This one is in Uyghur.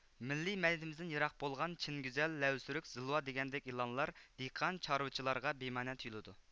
مىللىي مەدىنىيىتىمىزدىن يىراق بولغان چىن گۈزەل لەۋسۇرۇخ زىلۋا دېگەندەك ئېلانلار دېھقان چارۋىچىلارغا بىمەنە تۇيۇلىدۇ